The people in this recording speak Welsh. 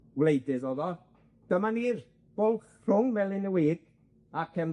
wleidydd o'dd o, dyma ni'r bwlch rhwng Melyn y Wig ac yym